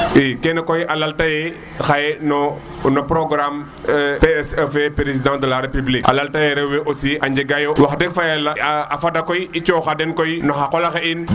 i kene koy a lal taye xaye no programme TSE fe président de la république lal taye rewe aussi a njega yo wax deg fa yala a afada koy i coxa den koy na xa qola xe in